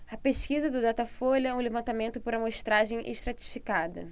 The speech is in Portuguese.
a pesquisa do datafolha é um levantamento por amostragem estratificada